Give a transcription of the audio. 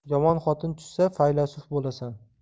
yomon xotin tushsa faylasuf bo'lasan